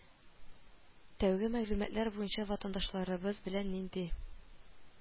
Тәүге мәгълүматлар буенча ватандашларыбыз белән нинди